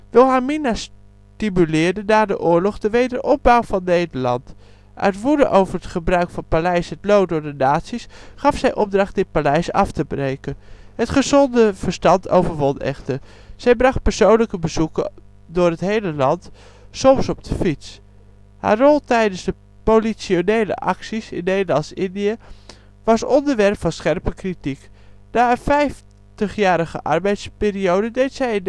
Wilhelmina stimuleerde na de oorlog de wederopbouw van Nederland. Uit woede over het gebruik van Paleis het Loo door de Nazi 's, gaf zij opdracht dit paleis af te breken. Het gezonde verstand overwon echter. Zij bracht persoonlijke bezoeken door het hele land, soms op de fiets. Haar rol tijdens de politionele acties in Nederlands-Indië was onderwerp van scherpe kritiek. Na een vijftigjarige ambtsperiode deed zij in 1948